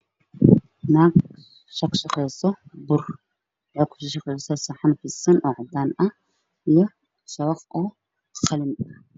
Waxaa ii muuqda gacan waxa ay haysaa shaq shaqo bur ayay ku shaqaysaa midabkiisii hay-addahaan